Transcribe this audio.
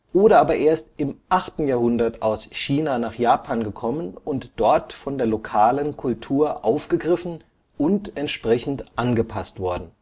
oder aber erst im 8. Jahrhundert aus China nach Japan gekommen und dort von der lokalen Kultur aufgegriffen und entsprechend angepasst worden